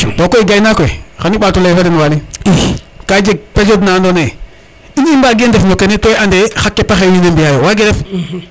to koy gay naak we xan i mbato ley fo den Waly i ka jeg période na ando naye in i mbage ndef no kene to i ande xa keta xe wiin we mbiya yo wage ref